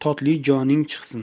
totli joning chiqsin